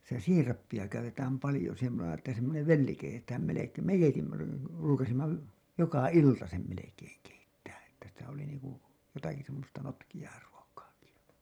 sitä siirappia käytetään paljon semmoisena että semmoinen velli keitetään - meidänkin ruukasimme joka ilta sen melkein keittää että sitä oli niin kuin jotakin semmoista notkeaa ruokaakin ja